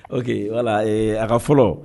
O que wala a ka fɔlɔ